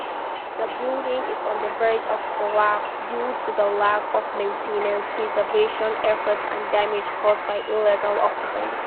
The building is on the verge of collapsee due to the lack of maintenance, preservation efforts, and damage caused by illegal occupants.